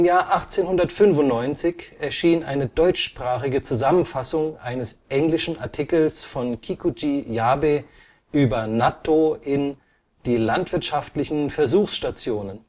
1895 erschien eine deutschsprachige Zusammenfassung eines englischen Artikels von Kikuji Yabe über Nattō in „ Die landwirtschaftlichen Versuchsstationen